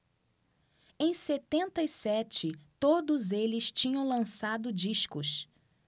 em setenta e sete todos eles tinham lançado discos